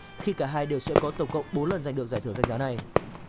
khi cả hai đều sẽ có tổng cộng bốn lần giành được giải thưởng danh giá này